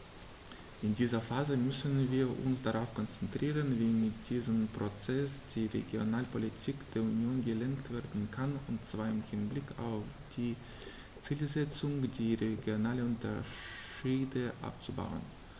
In dieser Phase müssen wir uns darauf konzentrieren, wie mit diesem Prozess die Regionalpolitik der Union gelenkt werden kann, und zwar im Hinblick auf die Zielsetzung, die regionalen Unterschiede abzubauen.